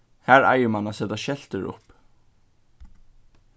har eigur mann at seta skeltir upp